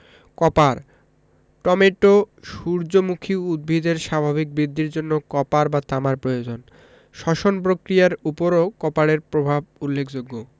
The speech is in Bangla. কপার টমেটো সূর্যমুখী উদ্ভিদের স্বাভাবিক বৃদ্ধির জন্য কপার বা তামার প্রয়োজন শ্বসন পক্রিয়ার উপরও কপারের প্রভাব উল্লেখযোগ্য